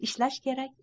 ishlash kerak